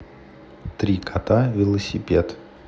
три кота велосипед